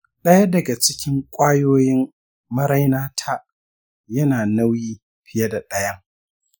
ɗaya daga cikin ƙwayoyin marainata yana nauyi fiye da ɗayan.